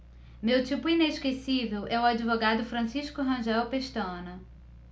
meu tipo inesquecível é o advogado francisco rangel pestana